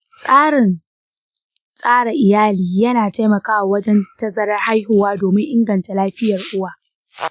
tsarin tsara iyali yana taimakawa wajen tazarar haihuwa domin inganta lafiyar uwa.